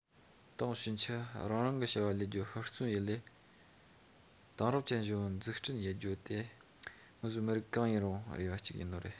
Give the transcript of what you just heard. དེང ཕྱིན ཆད རང རང གི བྱ བ ལས རྒྱུའོ ཧུར བརྩོན ཡེད ལས དེང རབས ཅན བཞི བོ འཛུགས སྐྲུན ཡེད རྒྱུའོ དེ ངུ བཟོ མི རིགས གང ཡིན དྲུང རེ བ ཅིག ཡིན ནི རེད